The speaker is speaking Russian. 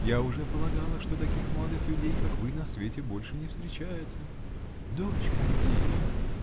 Я уже полагала, что таких молодых людей, как вы, на свете больше не встречается. Дочь кондитера!